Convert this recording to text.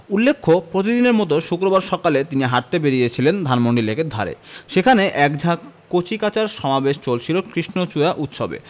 উল্লেখ্য প্রতিদিনের মতো শুক্রবার সকালে তিনি হাঁটতে বেরিয়েছিলেন ধানমন্ডি লেকের ধারে সেখানে এক ঝাঁক কচিকাঁচার সমাবেশ চলছিল কৃষ্ণচূড়া উৎসবে